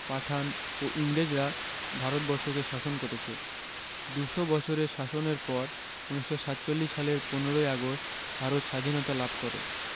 পাঠান ও ইংরেজরা ভারত বর্ষকে শাসন করেছে দু'শ বছরের শাসনের পর ১৯৪৭ সালের ১৫ ই আগস্ট ভারত সাধীনতা লাভ করে